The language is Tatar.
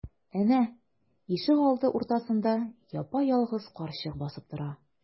Әнә, ишегалды уртасында япа-ялгыз карчык басып тора.